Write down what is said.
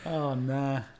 O na.